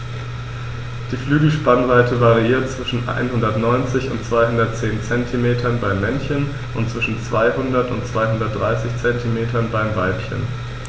Die Flügelspannweite variiert zwischen 190 und 210 cm beim Männchen und zwischen 200 und 230 cm beim Weibchen.